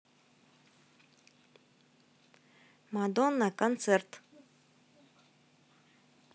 мадонна концерт